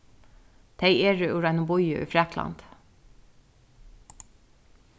tey eru úr einum býi í fraklandi